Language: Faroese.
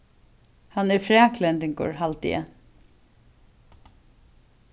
hann er fraklendingur haldi eg